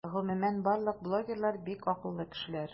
Гомумән барлык блогерлар - бик акыллы кешеләр.